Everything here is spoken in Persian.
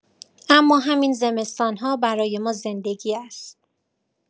اما همین زمستان‌ها برای ما زندگی است.